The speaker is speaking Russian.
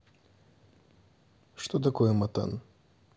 что такое матан